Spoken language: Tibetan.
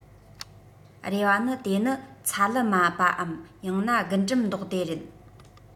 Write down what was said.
རེ བ ནི དེ ནི ཚ ལུ མ པའམ ཡང ན རྒུན འབྲུམ མདོག དེ རེད